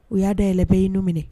U y'a day yɛlɛ bɛ yen n' minɛ